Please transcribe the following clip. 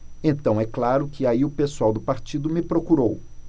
então é claro que aí o pessoal do partido me procurou